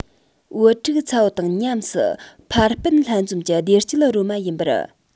བུ ཕྲུག ཚ བོ དང ཉམས སུ ཕ སྤུན ལྷན འཛོམ གྱི བདེ སྐྱིད རོལ མ ཡིན པར